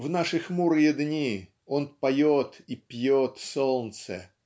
В наши хмурые дни он поет и пьет солнце